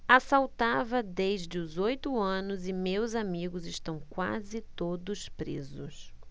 assaltava desde os oito anos e meus amigos estão quase todos presos